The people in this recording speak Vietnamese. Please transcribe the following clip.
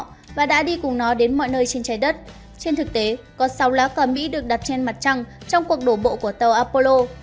và đã đi cùng nó đến mọi nơi trên trái đất trên thực tế có lá cờ mỹ được đặt trên mặt trăng trong cuộc đổ bộ của tàu apollo